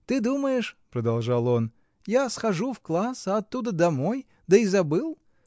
— Ты думаешь, — продолжал он, — я схожу в класс, а оттуда домой, да и забыл?